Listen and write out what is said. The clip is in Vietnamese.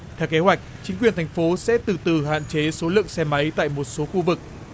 theo kế hoạch chính quyền thành phố sẽ từ từ hạn chế số lượng xe máy tại một số khu vực